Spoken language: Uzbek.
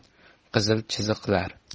qizil chiziqlar